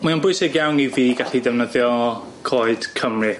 Mae o'n bwysig iawn i fi gallu defnyddio coed Cymru.